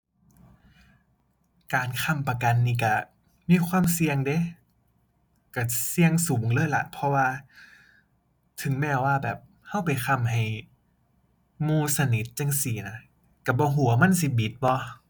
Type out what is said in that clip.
การค้ำประกันนี่ก็มีความเสี่ยงเดะ ก็เสี่ยงสูงเลยล่ะ เพราะว่าถึงแม้ว่าแบบก็ไปค้ำให้หมู่สนิทจั่งซี้นะ ก็บ่ก็ว่ามันสิบิดบ่